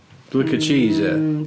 Dwi'n licio cheese, ia.